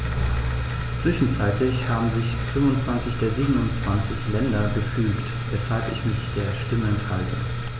Zwischenzeitlich haben sich 25 der 27 Länder gefügt, weshalb ich mich der Stimme enthalte.